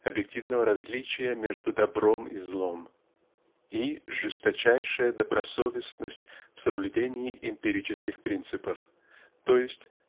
объективного различия между добром и злом -- и жесточайшая добросовестность в соблюдении эмпирических принципов т. е.